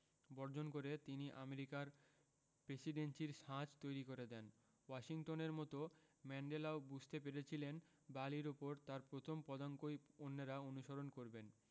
বর্জন করে তিনি আমেরিকান প্রেসিডেন্সির ছাঁচ তৈরি করে দেন ওয়াশিংটনের মতো ম্যান্ডেলাও বুঝতে পেরেছিলেন বালির ওপর তাঁর প্রথম পদাঙ্কই অন্যেরা অনুসরণ করবেন